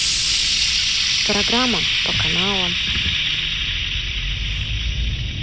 программа по каналам